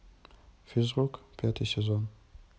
физрук пятый сезон